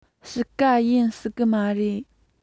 དཔྱིད ཀ ཡིན སྲིད གི མ རེད